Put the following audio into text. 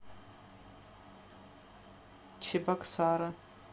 чебоксары